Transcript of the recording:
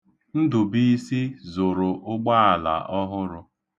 Ndụbiisi zụrụ ụgbaala ọhụrụ.